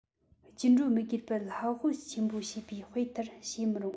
རྒྱུ འགྲོ མི དགོས པར ལྷ དབུ ཆེན པོ ཞེས པའི དཔེ ལྟར བྱེད མི རུང